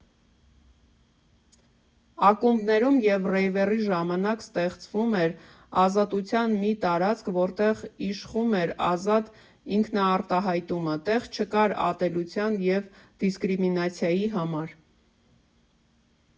Ակումբներում և ռեյվերի ժամանակ ստեղծվում էր ազատության մի տարածք, որտեղ իշխում էր ազատ ինքնաարտահայտումը, տեղ չկար ատելության և դիսկրիմինացիայի համար։